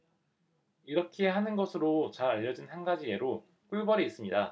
이렇게 하는 것으로 잘 알려진 한 가지 예로 꿀벌이 있습니다